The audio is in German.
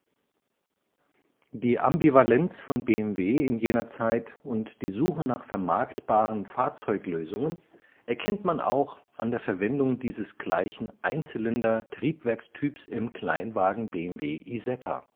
Die Ambivalenz von BMW in jener Zeit und die Suche nach vermarktbaren Fahrzeuglösungen erkennt man auch an der Verwendung dieses gleichen Einzylinder-Triebwerkstyps im Kleinwagen BMW Isetta